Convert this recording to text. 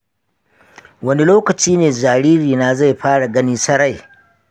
wane lokaci ne jaririna zai fara gani sarai?